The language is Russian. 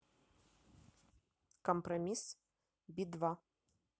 компромисс би два